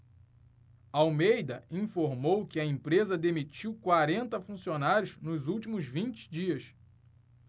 almeida informou que a empresa demitiu quarenta funcionários nos últimos vinte dias